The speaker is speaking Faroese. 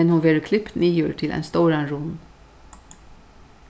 men hon verður klipt niður til ein stóran runn